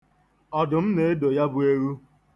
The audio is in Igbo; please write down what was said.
Ọdụm na-edo ya bụ ewu.